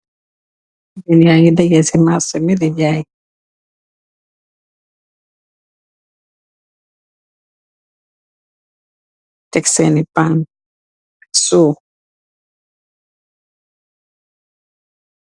Jigeen yageh dageh si maseh bi di gaii , tekk sennu pann , sooh .